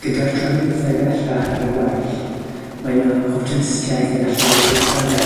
Gyda'r trafodaethau bellach ar y gwaill, mae 'na optomistiaeth y gallai'r gwrthdaro